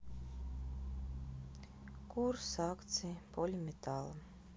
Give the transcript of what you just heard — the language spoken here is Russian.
курс акций полиметалла